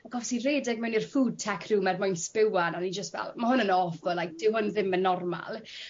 a gos i redeg mewn i'r food tech room er mwyn sbiwan a o'n i jyst fel ma' hwn yn awful like dyw hwn ddim yn normal